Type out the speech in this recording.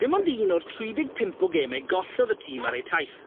Dim ond un o'r tri deg pump o geme gollodd y tîm ar eu taith.